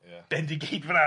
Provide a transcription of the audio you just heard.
Bendigeidfran.